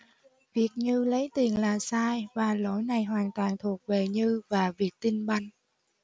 việc như lấy tiền là sai và lỗi này hoàn toàn thuộc về như và vietinbank